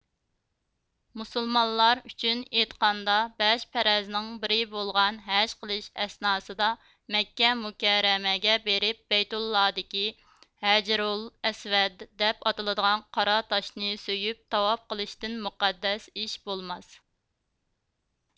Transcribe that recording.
مۇسۇلمانلار ئۈچۈن ئېيتقاندا بەش پەرەزنىڭ بىرى بولغان ھەج قىلىش ئەسناسىدا مەككە مۇكەررەمەگە بېرىپ بەيتۇللا دىكى ھەجىرۇل ئەسۋەد دەپ ئاتىلىدىغان قارا تاشنى سۆيۈپ تاۋاپ قىلىشتىن مۇقەددەس ئىش بولماس